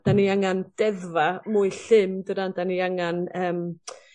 'Dan ni angan deddfa' mwy llym dydan? 'Dan ni angan yym